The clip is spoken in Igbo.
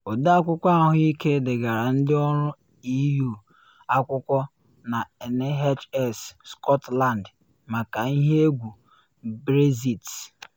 Ọde Akwụkwọ Ahụike degara ndị ọrụ EU akwụkwọ na NHS Scotland maka ihe egwu Brexit